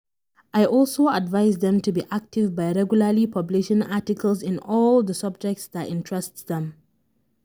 I also advise them to be active by regularly publishing articles in all the subjects that interest them.